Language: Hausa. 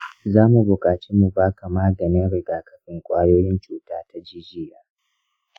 zamu bukaci mu baka maganin rigakafin kwayoyin cuta ta jijiya.